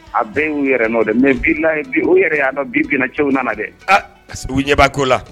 A bɛɛ y'u yɛrɛ n nɔ dɛ mɛ biinayi bi o yɛrɛ y'a dɔn bi biinana cɛw nana dɛ aa u ɲɛba ko la